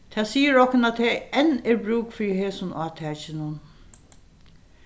tað sigur okkum at tað enn er brúk fyri hesum átakinum